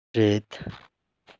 རེད